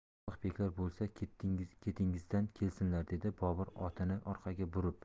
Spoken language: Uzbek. sodiq beklar bo'lsa ketingizdan kelsinlar dedi bobur otini orqaga burib